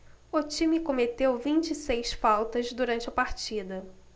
o time cometeu vinte e seis faltas durante a partida